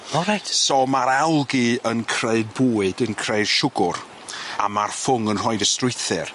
O reit. So ma'r algae yn creu bwyd yn creu'r siwgwr a ma'r ffwng yn rhoid y strwythur.